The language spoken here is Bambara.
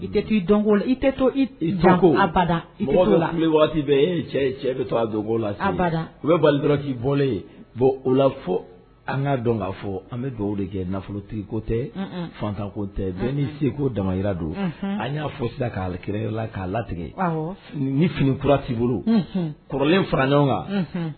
I tɛ i dɔn i tɛ tokoda dɔ la an bɛ waati bɛɛ e cɛ cɛ bɛ to lada u bɛ' bɔ ye bon o la fɔ an ka dɔn k'a fɔ an bɛ dugawu de kɛ nafolotigiko tɛ fatanko tɛ bɛn n'i seko damahira don an y'a fɔla k'a kirala k'a latigɛ ni fini kurati bolo kɔrɔlen fara ɲɔgɔn kan